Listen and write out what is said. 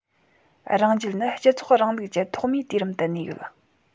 རང རྒྱལ ནི སྤྱི ཚོགས རིང ལུགས ཀྱི ཐོག མའི དུས རིམ དུ གནས ཡོད